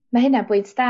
Mae hynna'n bwynt da...